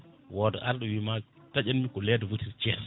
wooda arɗo wiima taƴanmi ko lettre voiture Thiés